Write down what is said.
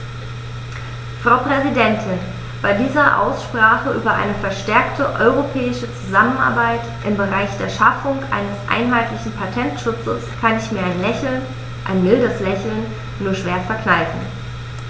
Frau Präsidentin, bei dieser Aussprache über eine verstärkte europäische Zusammenarbeit im Bereich der Schaffung eines einheitlichen Patentschutzes kann ich mir ein Lächeln - ein mildes Lächeln - nur schwer verkneifen.